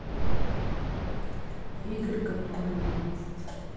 игры которые есть